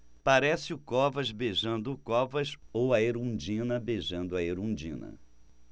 parece o covas beijando o covas ou a erundina beijando a erundina